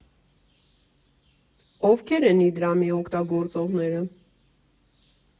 Ովքե՞ր են Իդրամի օգտագործողները։